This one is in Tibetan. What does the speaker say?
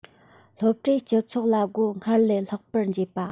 སློབ གྲྭས སྤྱི ཚོགས ལ སྒོ སྔར ལས ལྷག པར འབྱེད པ